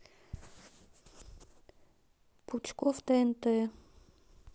пучков тнт